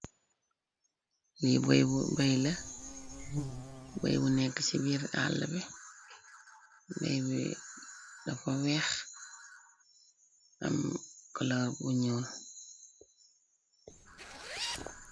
li bay la bay bu nekk ci biir àll bi,.Bay bi dafa weex am colar bu ñool.